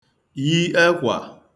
yi ẹkwà